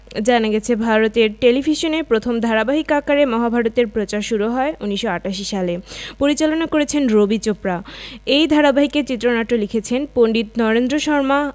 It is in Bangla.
জানা গেছে ভারতের টেলিভিশনে প্রথম ধারাবাহিক আকারে মহাভারত এর প্রচার শুরু হয় ১৯৮৮ সালে পরিচালনা করেছেন রবি চোপড়া এই ধারাবাহিকের চিত্রনাট্য লিখেছেন পণ্ডিত নরেন্দ্র শর্মা